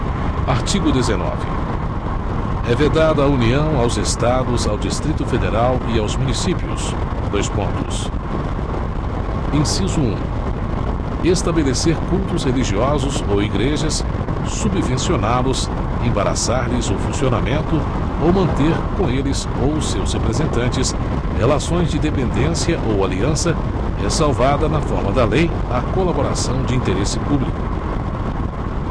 artigo dezenove é vedado à união aos estados ao distrito federal e aos municípios dois pontos inciso um estabelecer cultos religiosos ou igrejas subvencioná los embaraçar lhes o funcionamento ou manter com eles ou seus representantes relações de dependência ou aliança ressalvada na forma da lei a colaboração de interesse público